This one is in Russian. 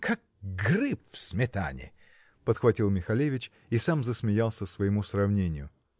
как грыб в сметане, -- подхватил Михалевич и сам засмеялся своему сравнению.